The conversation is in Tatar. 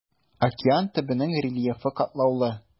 Океан төбенең рельефы катлаулы.